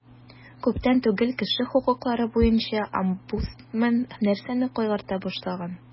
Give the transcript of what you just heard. Күптән түгел кеше хокуклары буенча омбудсмен нәрсәне кайгырта башлаган?